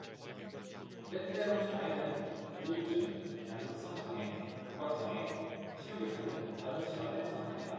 때때로 자해는 우울증 양극성 장애 강박 장애 식욕 이상 등 다른 질환의 부산물이다